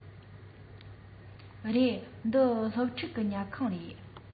རེད འདི སློབ ཕྲུག གི ཉལ ཁང རེད